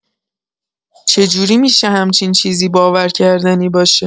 چجوری می‌شه همچین چیزی باورکردنی باشه؟